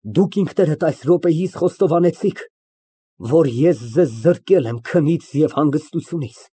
Դուք ինքներդ այս րոպեիս խոստովանեցիք, որ ես ձեզ զրկել եմ քնից ու հանգստությունից։